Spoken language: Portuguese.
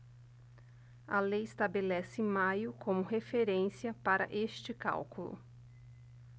a lei estabelece maio como referência para este cálculo